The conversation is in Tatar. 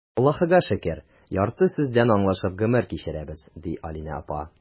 Аллаһыга шөкер, ярты сүздән аңлашып гомер кичерәбез,— ди Алинә апа.